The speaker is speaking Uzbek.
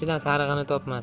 ichidan sarig'ini topmas